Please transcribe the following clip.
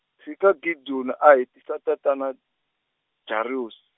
tshika Gideon a hetisa tatana, Jairus.